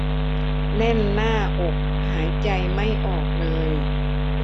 แน่นหน้าอกหายใจไม่ออกเลย